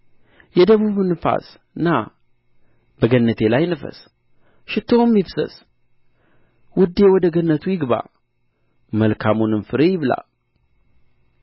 የደቡብም ነፋስ ና በገነቴ ላይ ንፈስ ሽቱውም ይፍሰስ ውዴ ወደ ገነቱ ይግባ መልካሙንም ፍሬ ይብላ